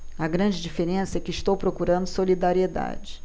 a grande diferença é que eu estou procurando solidariedade